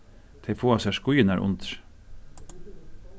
tey fáa sær skíðirnar undir